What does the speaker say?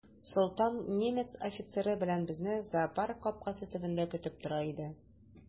Солтан немец офицеры белән безне зоопарк капкасы төбендә көтеп тора иде.